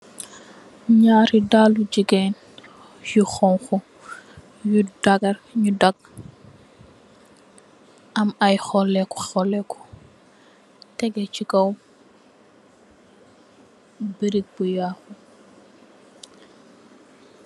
Njaari daalu gigain yu honhu, yu dahgah nju dague, am aiiy horleh ku horleh ku, tehgeh chi kaw brick bu yaahu.